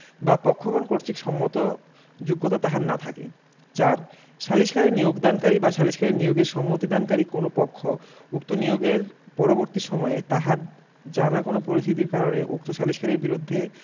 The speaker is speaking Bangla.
বা পক্ষগণ কর্তৃক সম্মত যোগ্যতা তাহার না থাকে ৪ সালিসকারী নিয়োগদানকারী বা সালিসকারী নিয়োগে সম্মতিদানকারী কোন পক্ষ উক্ত নিয়োগের পরবর্তি সময়ে তাহার জানা কোন পরিস্থিতির কারণে উক্ত সালিসকারীর বিরুদ্ধে